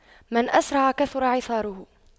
من أسرع كثر عثاره